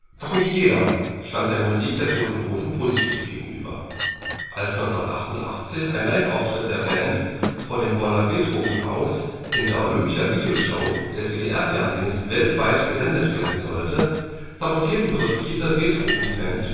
Doch nicht jeder stand der Musik der Toten Hosen positiv gegenüber. Als 1988 ein Liveauftritt der Band vor dem Bonner Beethoven-Haus in der Olympia-Videoshow des WDR-Fernsehens weltweit gesendet werden sollte, sabotierten brüskierte Beethovenfans